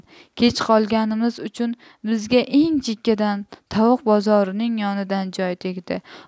kech qolganimiz uchun bizga eng chekkadan tovuq bozorining yonidan joy tegdi